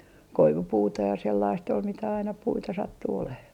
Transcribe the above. koivupuuta ja sellaista oli mitä aina puita sattui olemaan